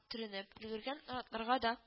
Төренеп өлгергән наратларга да